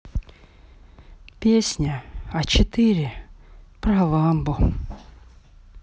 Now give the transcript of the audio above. песня а четыре про ламбу